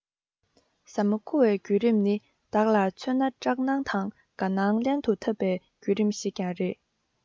ཟ མ བརྐུ བའི བརྒྱུད རིམ ནི བདག ལ མཚོན ན སྐྲག སྣང དང དགའ སྣང ལྷན དུ འཐབ པའི བརྒྱུད རིམ ཞིག ཀྱང རེད